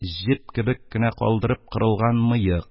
Җеп кебек кенә калдырып кырылган мыек;